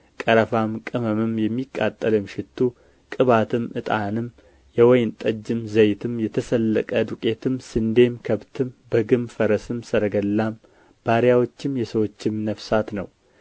ቀረፋም ቅመምም የሚቃጠልም ሽቱ ቅባትም ዕጣንም የወይን ጠጅም ዘይትም የተሰለቀ ዱቄትም ስንዴም ከብትም በግም ፈረስም ሰረገላም ባሪያዎችም የሰዎችም ነፍሳት ነው